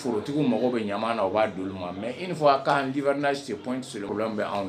Forotigiw mago bɛ ɲa na o b'a don mɛ i fɔ kaandifa se so bɛ anw